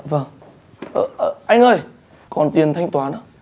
vâng ơ anh ơi còn tiền thanh toán ạ